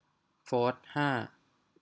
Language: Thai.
โฟธห้า